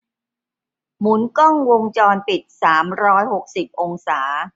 หมุนกล้องวงจรปิดสามร้อยหกสิบองศา